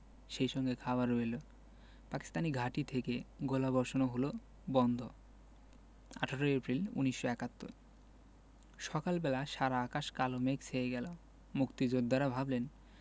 সেই সঙ্গে খাবারও এলো পাকিস্তানি ঘাঁটি থেকে গোলাবর্ষণও হলো বন্ধ ১৮ এপ্রিল ১৯৭১ সকাল বেলা সারা আকাশ কালো মেঘে ছেয়ে গেল মুক্তিযোদ্ধারা ভাবলেন